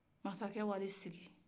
masakɛ walen e sigi